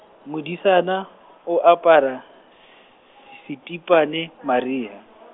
modisana, o apara, s- setipana e mariha.